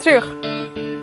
Triwch.